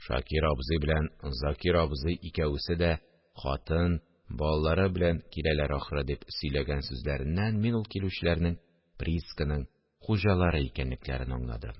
Шакир абзый белән Закир абзый икәвесе дә хатын, балалары белән киләләр, ахры, – дип сөйләгән сүзләреннән мин ул килүчеләрнең приисканың хуҗалары икәнлекләрен аңладым